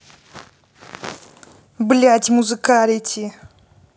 блядь музыкалити